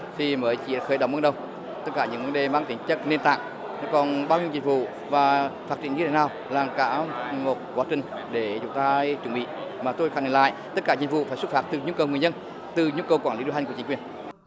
thì mới chỉ khởi động ban đầu tất cả những vấn đề mang tính chất nền tảng còn bao nhiêu dịch vụ và phát triển như thế nào là cả một quá trình để chúng ta chuẩn bị mà tôi phản lại tất cả dịch vụ phải xuất phát từ nhu cầu người dân từ nhu cầu quản lý điều hành của chính quyền